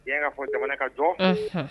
Tiɲɛ ka fɔ jamana ka jɔ, unhun.